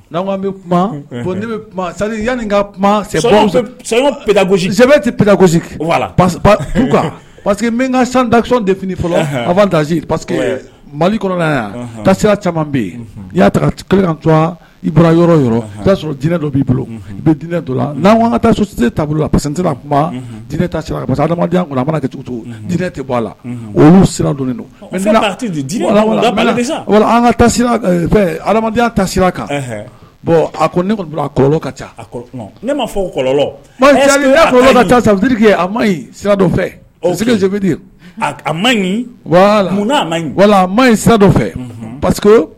N'anan bɛ kuma yan ka kuma sɛbɛ tɛ p parce que min ka san dasɔn de fini fɔlɔ afa daz pa que mali ta sira caman bɛ yen i y'akan i bɔra yɔrɔ yɔrɔ i y'a sɔrɔ diinɛ dɔ b'i bolo i bɛ dinɛ don n' ka parce a kuma dinɛ adamadamadenya a kɛ cogo cogo dinɛ tɛ bɔ la olu sira don an kadenya ta sira kan bɔn a ko ne a kɔ ka ca malɔlɔ a ma ɲi sira fɛbi a ɲi wala ma ɲi sira dɔ fɛ parce